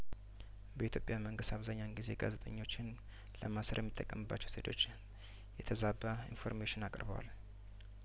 በኢትዮጵያ መንግስት አብዛኛውን ጊዜ ጋዜጠኞችን ለማሰር የሚጠቀምባቸው ዘዴዎች የተዛባ ኢንፎርሜሽን አቅርበዋል